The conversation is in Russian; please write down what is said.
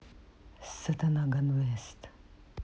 сатана ганвест